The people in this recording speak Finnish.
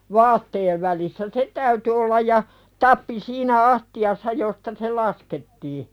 vaatteen välissä se täytyi olla ja tappi siinä astiassa josta se laskettiin